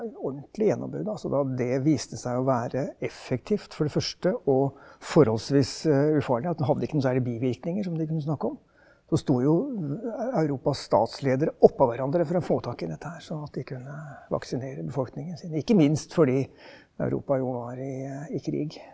et ordentlig gjennombrudd, altså da det viste seg å være effektivt for det første og forholdsvis ufarlig, at den hadde ikke noe særlig bivirkninger som de kunne snakke om, så sto jo Europas statsledere oppå hverandre for å få tak i dette her sånn at de kunne vaksinere befolkningen sin, ikke minst fordi Europa jo var i i krig.